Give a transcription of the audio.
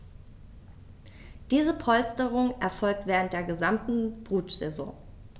Diese Polsterung erfolgt während der gesamten Brutsaison.